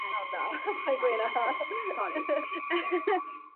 O na. Paid gweu' 'na. Sori.